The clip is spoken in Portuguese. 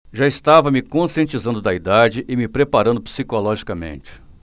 já estava me conscientizando da idade e me preparando psicologicamente